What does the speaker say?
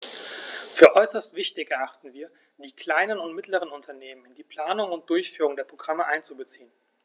Für äußerst wichtig erachten wir, die kleinen und mittleren Unternehmen in die Planung und Durchführung der Programme einzubeziehen.